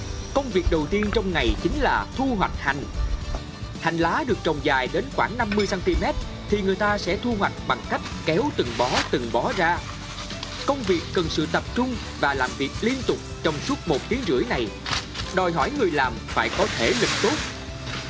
công việc đầu tiên trong ngày chính là thu hoạch hành hành lá được trồng dài đến khoảng năm mươi xăng ti mét thì người ta sẽ thu hoạch bằng cách kéo từng bó từng bó ra công việc cần sự tập trung và làm việc liên tục trong suốt một tiếng rưỡi này đòi hỏi người làm phải có thể lực tốt